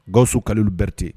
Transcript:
Gawusu Kalilu Berete